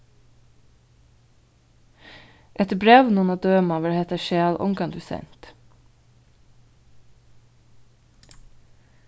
eftir brævinum at døma var hetta skjal ongantíð sent